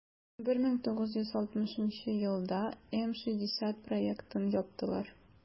1960 елда м-60 проектын яптылар.